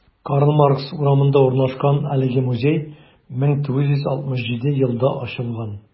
Карл Маркс урамында урнашкан әлеге музей 1967 елда ачылган.